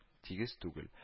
Тигез түгел